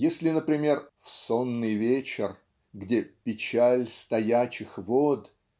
Если, например, в "сонный вечер", где "печаль стоячих вод"